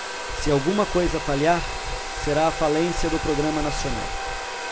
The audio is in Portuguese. se alguma coisa falhar será a falência do programa nacional